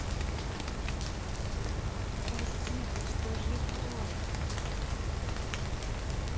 спасибо что живой